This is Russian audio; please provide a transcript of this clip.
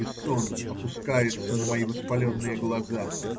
И сон опускается на мои воспаленные глаза!